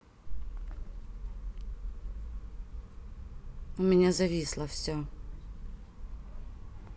у меня зависло все